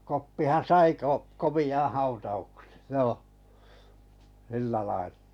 Koppihan sai - komean hautauksen joo sillä lailla